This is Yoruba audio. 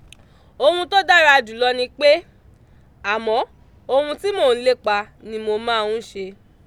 Ohun tó dára jù lọ ni pé, àmọ́ ohun tí mò ń lépa ni mo máa ń ṣe.